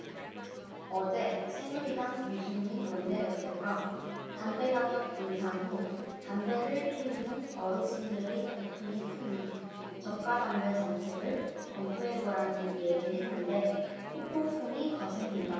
어제 새누리당 유승민 원내대표가 담배가격 인상 후 담배를 피우는 어르신들의 고통이 크니 저가담배 정책을 검토해보라는 얘길 했는데 후폭풍이 거셉니다